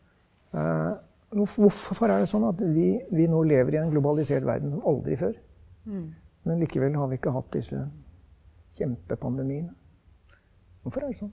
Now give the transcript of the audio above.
hvorfor er det sånn at vi vi nå lever i en globalisert verden aldri før, men likevel har vi ikke hatt disse kjempepandemiene, hvorfor er det sånn?